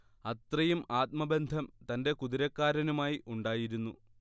അത്രയും ആത്മബന്ധം തന്റെ കുതിരക്കാരനുമായി ഉണ്ടായിരുന്നു